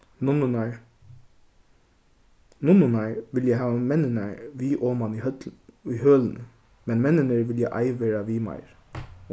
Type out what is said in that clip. nunnurnar nunnurnar vilja hava menninar við oman í í hølini men menninir vilja ei vera við meir